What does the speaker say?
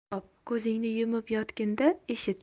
xo'p ko'zingni yumib yotgin da eshit